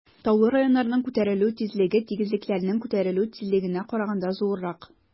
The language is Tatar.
Таулы районнарның күтәрелү тизлеге тигезлекләрнең күтәрелү тизлегенә караганда зуррак.